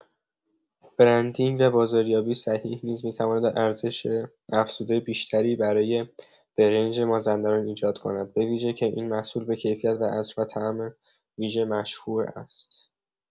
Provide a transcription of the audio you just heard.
برندینگ و بازاریابی صحیح نیز می‌تواند ارزش‌افزوده بیشتری برای برنج مازندران ایجاد کند، به‌ویژه که این محصول به کیفیت و عطر و طعم ویژه مشهور است.